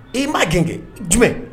I ma gɛn kɛ , jumɛn?